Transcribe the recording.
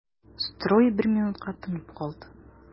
Строй бер минутка тынып калды.